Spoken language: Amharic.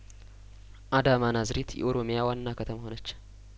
አዳማ ናዝሪት የኦሮሚያዋና ከተማ ሆነች